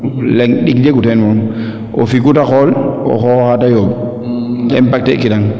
leŋ ndiq jegu teen moom o figu te xool o xooxa de yoomb impacter kirang